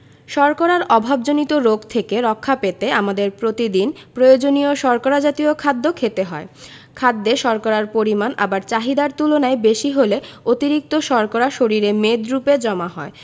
শর্করার অভাবজনিত রোগ থেকে রক্ষা পেতে আমাদের প্রতিদিন প্রয়োজনীয় শর্করা জাতীয় খাদ্য খেতে হয় খাদ্যে শর্করার পরিমাণ আবার চাহিদার তুলনায় বেশি হলে অতিরিক্ত শর্করা শরীরে মেদরুপে জমা হয়